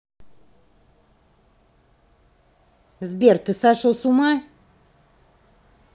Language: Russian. сбер ты сошел с ума